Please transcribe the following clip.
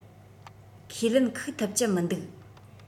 ཁས ལེན ཁུག ཐུབ ཀྱི མི འདུག